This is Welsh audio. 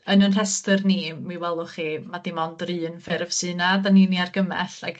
yn 'yn rhestyr ni, mi welwch chi, ma' dim ond yr un ffurf sy 'na 'dyn ni'n 'i argymell, like